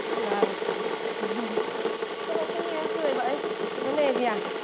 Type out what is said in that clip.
vầng sao anh cứ nhìn em cười vậy có vấn đề gì à